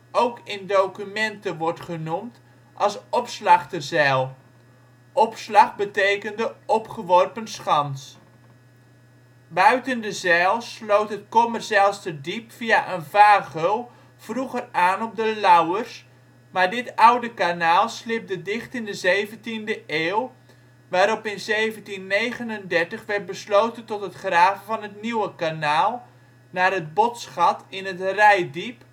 ook in documenten wordt genoemd als Opslachterzijl (opslach betekende ' opgeworpen schans '). Buiten de zijl sloot het Kommerzijlsterdiep via een vaargeul vroeger aan op de Lauwers, maar dit ' Oude Canaal ' slibte dicht in de 17e eeuw, waarop in 1739 werd besloten tot het graven van het ' Nieuwe Canaal ' naar het Botsgat in het Reitdiep